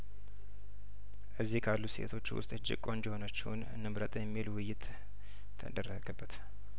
እዚህ ካሉት ሴቶች ውስጥ እጅግ ቆንጆ የሆነችውን እንምረጥ የሚል ውይይት ተደረገበት